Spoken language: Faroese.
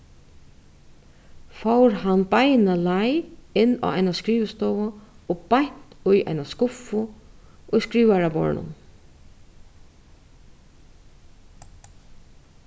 fór hann beina leið inn á eina skrivstovu og beint í eina skuffu í skrivaraborðinum